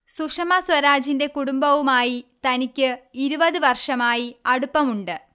സുഷമാ സ്വരാജിന്റെ കുടുംബവുമായി തനിക്ക് ഇരുവത് വർഷമായി അടുപ്പമുണ്ട്